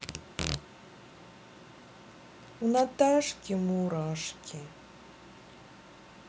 у наташки мурашки